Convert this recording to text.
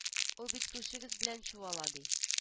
Ул бит күршегез белән чуала ди